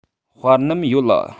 དཔར ནམ ཡོད ལ